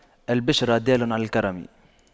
الْبِشْرَ دال على الكرم